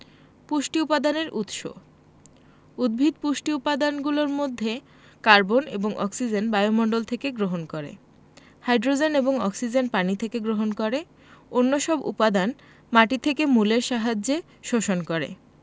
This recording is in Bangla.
পুষ্টি উপাদানের উৎস উদ্ভিদ পুষ্টি উপাদানগুলোর মধ্যে কার্বন এবং অক্সিজেন বায়ুমণ্ডল থেকে গ্রহণ করে হাই্ড্রোজেন এবং অক্সিজেন পানি থেকে গ্রহণ করে অন্যসব উপাদান মাটি থেকে মূলের সাহায্যে শোষণ করে